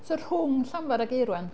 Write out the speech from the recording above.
So rhwng Llanfair a Gaerwen?